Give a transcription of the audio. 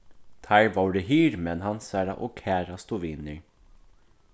teir vóru hirðmenn hansara og kærastu vinir